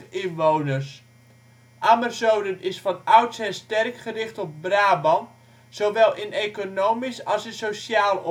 inwoners. Ammerzoden is van oudsher sterk gericht op Brabant, zowel in economisch als in sociaal